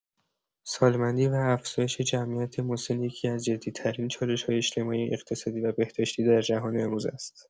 سالمندی و افزایش جمعیت مسن یکی‌از جدی‌ترین چالش‌های اجتماعی، اقتصادی و بهداشتی در جهان امروز است.